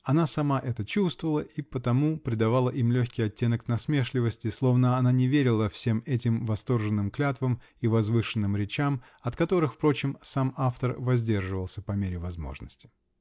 она сама это чувствовала и потому придавала им легкий оттенок насмешливости, словно она не верила всем этим восторженным клятвам и возвышенным речам, от которых, впрочем сам автор воздерживался -- по мере возможности.